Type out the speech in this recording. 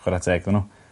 Chwara teg 'ddyn n'w.